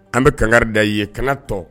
An bɛ kanga da ye kaana tɔ